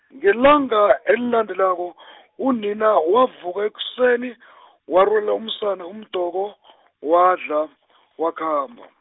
ngelanga elilandelako , unina wavuka ekuseni , warurela umsana umdoko , wadla, wakhamba.